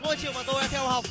ngôi trường mà tôi đang theo học